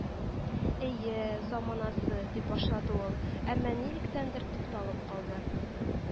—әйе, заманасы…—дип башлады ул, әмма нилектәндер тукталып калды